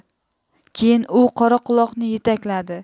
keyin u qoraquloqni yetakladi